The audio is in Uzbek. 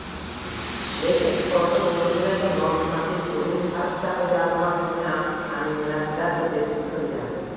lekin suqrotning o'zi chinakam donishmandlik o'zining sariqchaqaga arzimasligini anglashdadir deb uqtirgandi